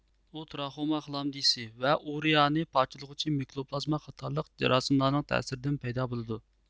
ئۇ تراخوما خىلامديىسى ۋە ئۇرېئانى پارچىلىغۇچى مىكوپلازما قاتارلىق جاراسىملارنىڭ تەسىرىدىن پەيدا بولىدۇ